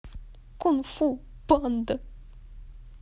кунг фу панда